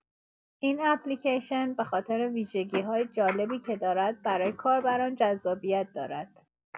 این اپلیکیشن به‌خاطر ویژگی‌های جالبی که دارد برای کاربران جذابیت دارد.